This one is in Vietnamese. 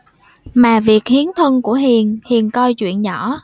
mà việc hiến thân của hiền hiền coi chuyện nhỏ